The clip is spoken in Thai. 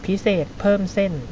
พิเศษเพิ่มเส้น